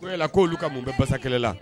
Ko yala k'olu ka mun bɛ basa kɛlɛ la.